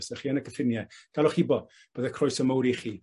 os dych chi yn y cyffinie. Galwch hibo, bydde y croeso mowr i chi.